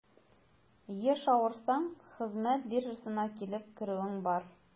Еш авырсаң, хезмәт биржасына килеп керүең бар.